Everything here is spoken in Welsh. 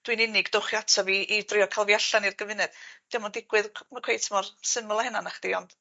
dwi'n unig dowch chi ata fi i drio ca'l fi allan i'r gymed. 'Di o'm yn digwydd. 'M y' cweit mor syml â hynna nachdi ond